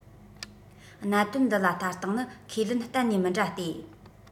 གནད དོན འདི ལ ལྟ སྟངས ནི ཁས ལེན གཏན ནས མི འདྲ སྟེ